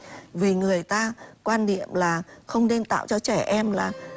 vì người ta quan niệm là không nên tạo cho trẻ em là